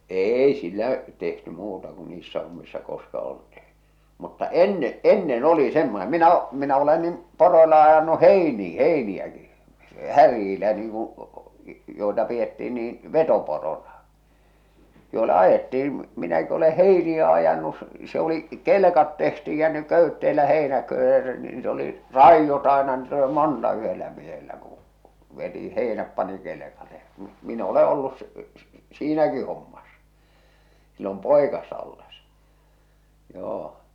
ei sillä tehty muuta kuin niissä hommissa koska oltiin mutta ennen ennen oli semmoinen minä - minä olen niin poroilla ajanut heiniä heiniäkin härillä niin kuin joita pidettiin niin vetoporona joilla ajettiin minäkin olen heiniä ajanut - se oli kelkat tehtiin ja ne köytteellä heinäköydet niitä oli raidot aina niitä oli monta yhdellä miehellä kun veti heinät pani kelkalle ja - minä olen ollut -- siinäkin hommassa silloin poikasena ollessa joo